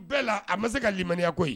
O bɛ la, a ma se ka limaniya koyi.